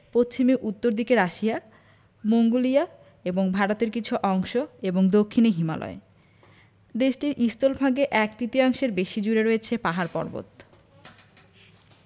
পশ্চিম ও উত্তর দিকে রাশিয়া মঙ্গোলিয়া এবং ভারতের কিছু অংশ এবং দক্ষিনে হিমালয় দেশটির স্থলভাগে এক তৃতীয়াংশের বেশি জুড়ে রয়ছে পাহাড় পর্বত